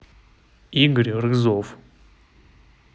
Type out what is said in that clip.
игорь рызов